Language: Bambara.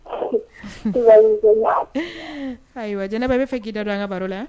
Ayiwa jinɛ jɛnɛba b'a fɛ k'i dɔ dɔn an ka baro la